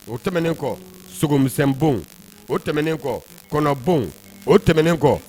O tɛmɛnen kɔ sogomisɛnbon o tɛmɛnen kɔ kɔnɔɔn o tɛmɛnen kɔ